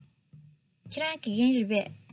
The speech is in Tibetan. ཁྱེད རང དགེ རྒན རེད པས